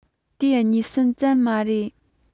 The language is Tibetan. དེ གཉིས གསུམ ཙམ མ རེད